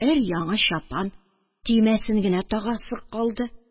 Өр-яңы чапан, төймәсен генә тагасы бар